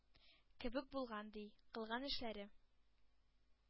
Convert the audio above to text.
Кебек булган, ди, кылган эшләре